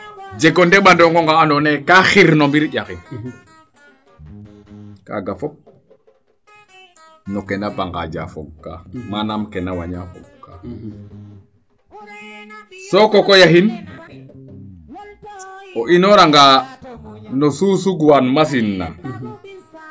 jega ndeɓanonga nga ando anye kaa xir no mbir ƴaxir kaga fop no kee na bangaaja fog kaa manaam keena waña fog kaa soko koy axin o inoora nga no susug waa machine naa